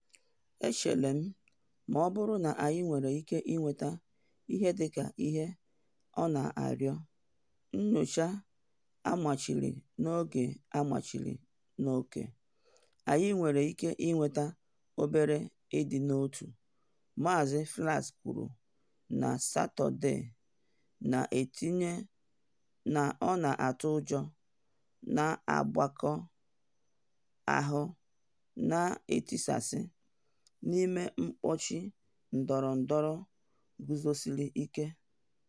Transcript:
“Echere m, ọ bụrụ na anyị nwere ike ịnweta ihe dị ka ihe ọ na arịọ - nyocha amachiri n’oge, amachiri n’oke - anyị nwere ike iwete obere ịdị n’otu,” Maazị Flake kwuru na Satọde, na etinye na ọ na atụ ụjọ na ọgbakọ ahụ na “etisasi” n’ime mkpọchi ndọrọndọrọ gozusiri ike.